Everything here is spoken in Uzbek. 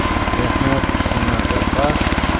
mehnat kishini boqar